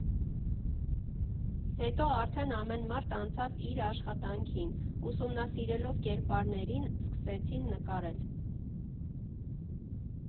Հետո արդեն ամեն մարդ անցավ իր աշխատանքին, ուսումնասիրելով կերպարներին՝ սկսեցին նկարել։